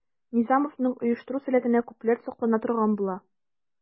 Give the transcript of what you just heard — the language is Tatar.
Низамовның оештыру сәләтенә күпләр соклана торган була.